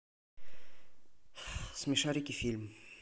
смешарики фильм